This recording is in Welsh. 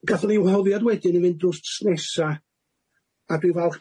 gatho ni'n wahoddiad wedyn i fynd drws nesa a dwi'n falch